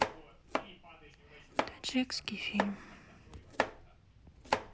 таджикский фильм